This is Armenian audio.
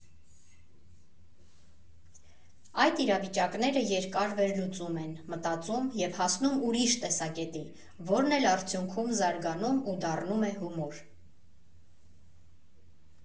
Այդ իրավիճակները երկար վերլուծում եմ, մտածում և հասնում ուրիշ տեսակետի, որն էլ արդյունքում զարգանում ու դառնում է հումոր։